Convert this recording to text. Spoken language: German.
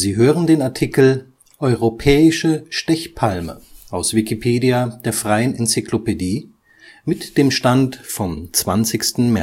hören den Artikel Europäische Stechpalme, aus Wikipedia, der freien Enzyklopädie. Mit dem Stand vom Der